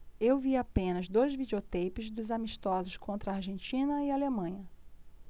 eu vi apenas dois videoteipes dos amistosos contra argentina e alemanha